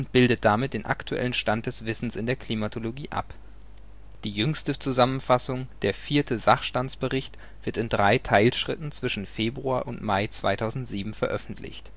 bildet damit den aktuellen Stand des Wissens in der Klimatologie ab. Die jüngste Zusammenfassung, der Vierte Sachstandsbericht, wird in drei Teilschritten zwischen Februar und Mai 2007 veröffentlicht